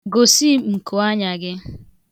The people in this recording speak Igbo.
Gosi m nkuanya gị.